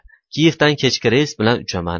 kievdan kechki reys bilan uchaman